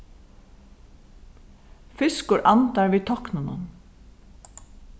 fiskur andar við táknunum